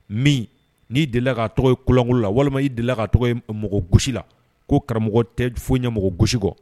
Min n'i deli k' tɔgɔ ye kolonlanko la walima y'i deli ka tɔgɔ ye mɔgɔ gosisi la ko karamɔgɔ tɛ foyi ɲɛ mɔgɔ gosi kɔ